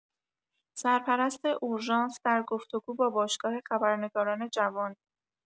سرپرست اورژانس در گفتگو با باشگاه خبرنگاران جوان